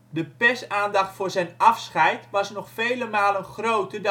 persaandacht voor zijn afscheid was nog vele malen groter